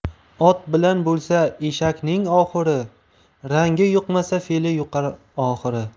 ot bilan bo'lsa eshakning oxuri rangi yuqmas fe'li yuqar oxiri